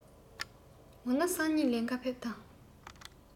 འོ ན སང ཉིན ལེན ག ཕེབས དང